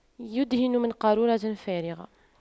يدهن من قارورة فارغة